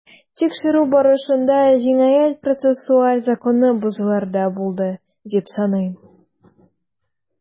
Тикшерү барышында җинаять-процессуаль законны бозулар да булды дип саныйм.